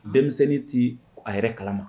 Denmisɛnnin tɛ a yɛrɛ kalama